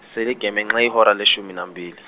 seligamengxe ihora leshumi nambili.